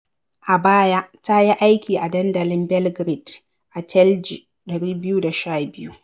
A baya, ta yi aiki a dandalin Belgrade, Atelje 212.